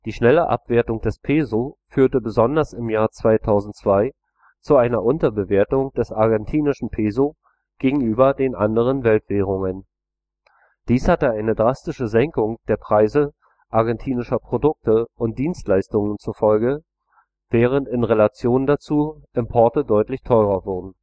schnelle Abwertung des Peso führte besonders im Jahr 2002 zu einer Unterbewertung des argentinischen Peso gegenüber den anderen Weltwährungen. Dies hatte eine drastische Senkung der Preise argentinischer Produkte und Dienstleistungen zur Folge, während in Relation dazu die Importe deutlich teurer wurden